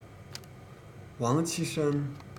ཝང ཆི ཧྲན